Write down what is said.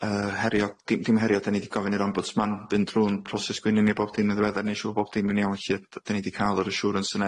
yy herio- dim dim herio' 'dan ni 'di gofyn i'r ombudsman fynd drw'n proses gwynion ni a bob dim yn ddiweddar, neu'n siŵr bo' bob dim yn iawn felly. D- 'den ni 'di ca'l yr assurance yne.